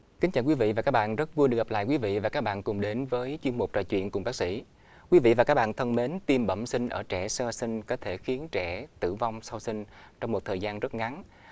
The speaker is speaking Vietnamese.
kính chào quý vị và các bạn rất vui được gặp lại quý vị và các bạn cùng đến với chuyên mục trò chuyện cùng bác sĩ quý vị và các bạn thân mến tim bẩm sinh ở trẻ sơ sinh có thể khiến trẻ tử vong sau sinh trong một thời gian rất ngắn